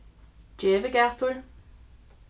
gevið gætur